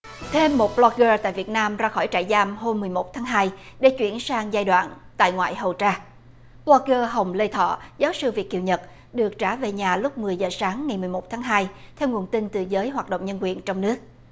thêm một bờ lóc gơ tại việt nam ra khỏi trại giam hôm mười một tháng hai để chuyển sang giai đoạn tại ngoại hầu trà bờ lóc gơ hồng lê thọ giáo sư việt kiều nhật được trả về nhà lúc mười giờ sáng ngày mười một tháng hai theo nguồn tin từ giới hoạt động nhân quyền trong nước